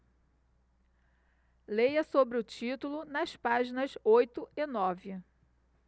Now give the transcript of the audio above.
leia sobre o título nas páginas oito e nove